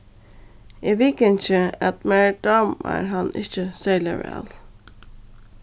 eg viðgangi at mær dámar hann ikki serliga væl